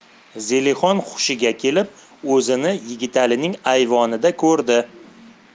zelixon hushiga kelib o'zini yigitalining ayvonida ko'rdi